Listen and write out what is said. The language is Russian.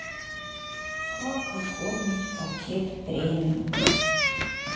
как оформить пакет премиум